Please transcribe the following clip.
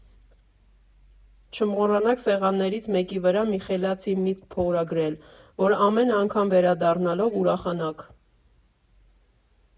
Չմոռանաք սեղաններից մեկի վրա մի խելացի միտք փորագրել, որ ամեն անգամ վերադառնալով ուրախանաք։